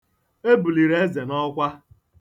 E buliri Eze n'ọkwa.